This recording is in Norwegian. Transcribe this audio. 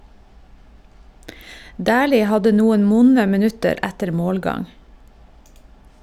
Dæhlie hadde noen vonde minutter etter målgang.